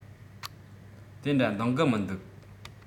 དེ འདྲ འདང གི མི འདུག